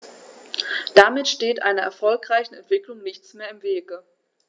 Damit steht einer erfolgreichen Entwicklung nichts mehr im Wege.